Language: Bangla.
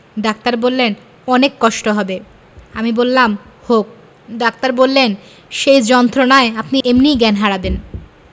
ডাক্তার বললেন অনেক কষ্ট হবে আমি বললাম হোক ডাক্তার বললেন সেই যন্ত্রণায় আপনি এমনি জ্ঞান হারাবেন